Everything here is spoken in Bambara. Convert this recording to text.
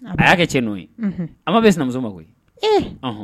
A y'a kɛ cɛ n'o ye an ma bɛ sinamuso ma koyi ye